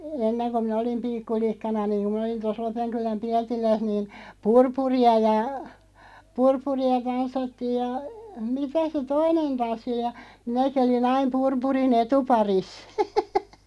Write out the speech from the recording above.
ennen kun minä olin pikkulikkana niin kun minä olin tuossa Lopenkylän Pietilässä niin purpuria ja purpuria tanssittiin ja mitä se toinen tanssi oli ja minäkin olin aina purpurin etuparissa